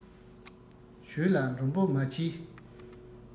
ཞོལ ལ མགྲོན པོ མ མཆིས